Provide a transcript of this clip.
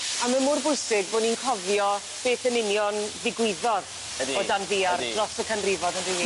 A ma' mor bwysig bo' ni'n cofio beth yn union ddigwyddodd... Ydi. ...o dan ddîar... Ydi. ...dros y canrifod yndyw 'i?